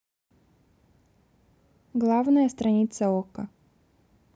главная страница okko